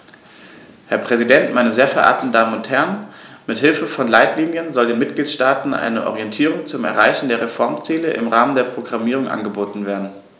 Herr Präsident, meine sehr verehrten Damen und Herren, mit Hilfe von Leitlinien soll den Mitgliedstaaten eine Orientierung zum Erreichen der Reformziele im Rahmen der Programmierung angeboten werden.